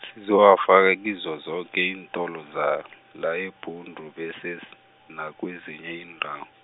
sizowafaka kizo zoke iintolo zala eBhundu bese s-, nakwezinye iindawo.